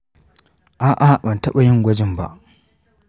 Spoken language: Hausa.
a’a, ban taɓa yin gwajin ba.